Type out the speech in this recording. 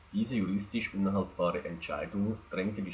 Diese juristisch unhaltbare Entscheidung drängte